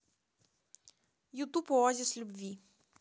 ютуб оазис любви